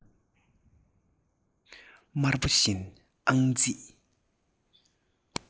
དམར པོ བཞིན ཨང ཀིས